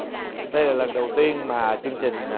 đây là lần đầu tiên mà chương trình